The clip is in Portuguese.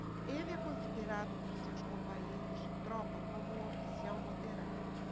ele é considerado por seus companheiros de tropa como um oficial moderado